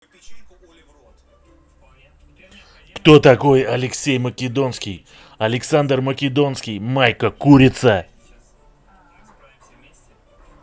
кто такой алексей македонский александр македонский майка курица